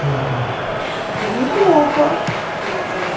неплохо